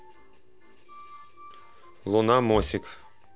луна мосик